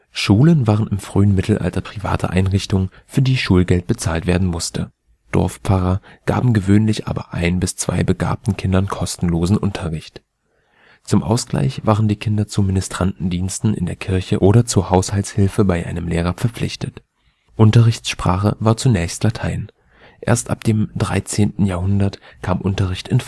Schulen waren im frühen Mittelalter private Einrichtungen, für die Schulgeld bezahlt werden musste. Dorfpfarrer gaben gewöhnlich aber ein bis zwei begabten Kindern kostenlosen Unterricht. Zum Ausgleich waren die Kinder zu Ministrantendiensten in der Kirche oder zur Haushaltshilfe bei ihrem Lehrer verpflichtet. Unterrichtssprache war zunächst Latein. Erst ab dem 13. Jahrhundert kam Unterricht in